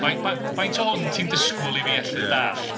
Fai- fai- faint o hwn ti'n disgwyl i fi allu... ia. ...dalld?